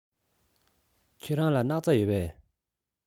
ཁྱེད རང ལ སྣག ཚ ཡོད པས